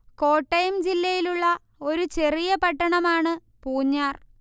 കോട്ടയം ജില്ലയിലുള്ള ഒരു ചെറിയ പട്ടണമാണ് പൂഞ്ഞാർ